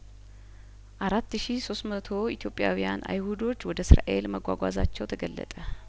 አራት ሺ ሶስት መቶ ኢትዮጵያውያን አይሁዶች ወደ እስራኤል መጓጓዛቸው ተገለጠ